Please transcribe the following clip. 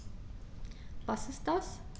Was ist das?